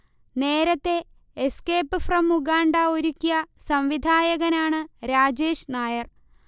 നേരത്തെ 'escape from Uganda' ഒരുക്കിയ സംവിധായകനാണ് രാജേഷ്നായർ